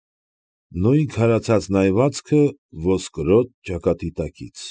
Նույն քարացած հայացքը՝ ոսկրոտ ճակատի տակից։